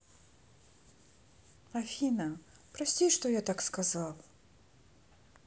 афина прости что я так сказал